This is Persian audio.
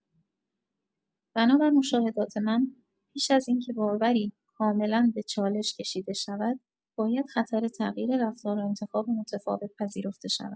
بنا بر مشاهدات من، پیش از اینکه باوری کاملا به چالش کشیده شود، باید خطر تغییر رفتار و انتخاب متفاوت پذیرفته شود.